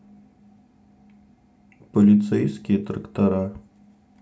полицейские трактора